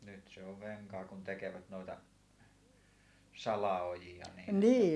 nyt se on venkaa kun tekevät noita salaojia niin